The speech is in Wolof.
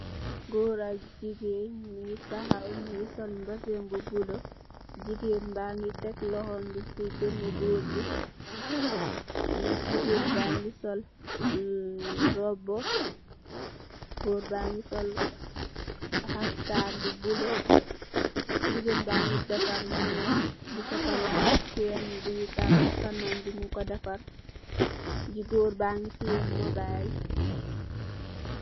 Goor ak jegain nuge tahaw nuge sol bazin bu bulo jegain bage tek lohom be se dene goor be jegain bage sol rouba goor bage sol haftan bu bulo jegain bage defar mess bu sukola chin boye takeh kanam be mung ku defar goor bage teyeh mobile.